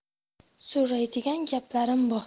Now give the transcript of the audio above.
so'raydigan gaplarim bor